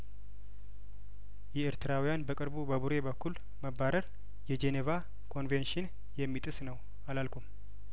የኤርትራውያን በቅርቡ በቡሬ በኩል መባረር የጄኔቫ ኮንቬንሽን የሚጥስ ነው አላልኩም